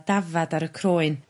dafad ar y croen.